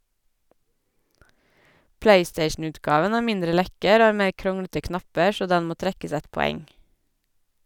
Playstationutgaven er mindre lekker og har mer kronglete knapper, så den må trekkes ett poeng.